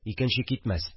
Икенче китмәс